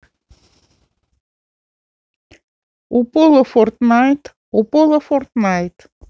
уполо фортнайт уполо фортнайт